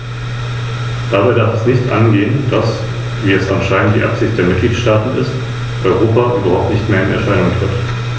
Tatsächlich ist das derzeitige Verfahren nur der letzte Abschnitt einer langen Geschichte der Annahme eines EU-Patents, die bis 1990 zurückreicht und nur von zwölf Mitgliedstaaten gefordert wurde.